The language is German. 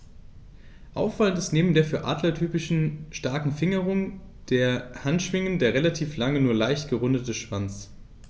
Auffallend ist neben der für Adler typischen starken Fingerung der Handschwingen der relativ lange, nur leicht gerundete Schwanz.